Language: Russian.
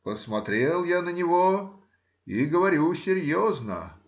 Посмотрел я на него и говорю серьезно